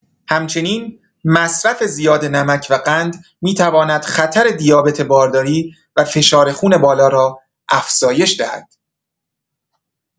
همچنین مصرف زیاد نمک و قند می‌تواند خطر دیابت بارداری و فشار خون بالا را افزایش دهد.